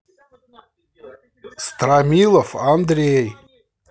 стромилов андрей